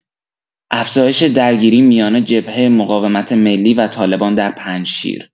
افزایش درگیری میان جبهه مقاومت ملی و طالبان در پنجشیر